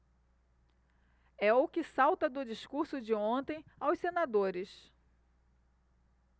é o que salta do discurso de ontem aos senadores